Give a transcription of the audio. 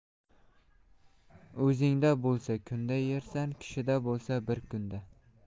o'zingda bo'lsa kunda yersan kishida bo'lsa bir kunda